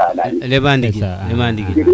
lema ndigil